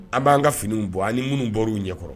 An b'an ka finiw bɔ ani minnu bɔra u ɲɛ kɔrɔ